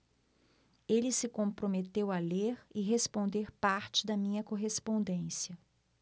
ele se comprometeu a ler e responder parte da minha correspondência